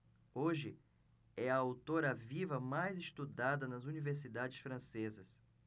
hoje é a autora viva mais estudada nas universidades francesas